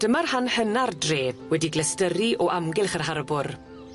Dyma'r rhan hynna'r dre wedi glystyru o amgylch yr harbwr.